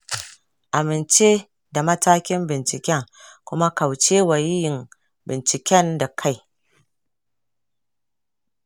amince da matakin binciken kuma kaucewa yin bincike da kai.